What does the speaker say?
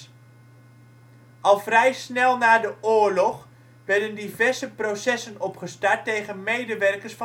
vrij snel na de oorlog werden diverse processen opgestart tegen medewerkers